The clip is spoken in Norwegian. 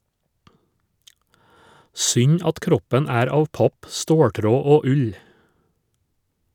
Synd at kroppen er av papp, ståltråd og ull.